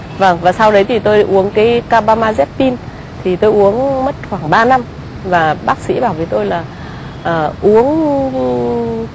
vâng và sau đấy thì tôi uống cái ca ba ma dét tin thì tôi uống mất khoảng ba năm và bác sĩ bảo với tôi là ờ uống